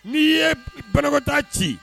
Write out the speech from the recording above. N'i ye banakotaa ci